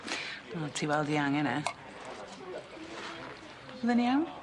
Wel ti weld 'i angen e. Popeth yn iawn?